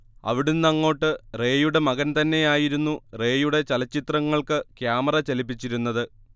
അവിടുന്നങ്ങോട്ട് റേയുടെ മകൻ തന്നെയായിരുന്നു റേയുടെ ചലച്ചിത്രങ്ങൾക്ക് ക്യാമറ ചലിപ്പിച്ചിരുന്നത്